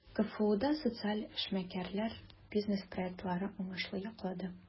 КФУда социаль эшмәкәрләр бизнес-проектларны уңышлы яклады.